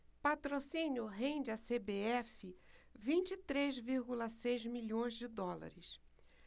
patrocínio rende à cbf vinte e três vírgula seis milhões de dólares